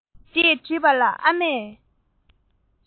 ཅེས དྲིས པ ལ ཨ མས